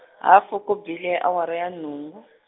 hafu ku bile awara ya nhungu.